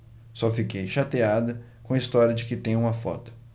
só fiquei chateada com a história de que tem uma foto